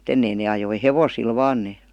mutta ennen ne ajoi hevosilla vain ne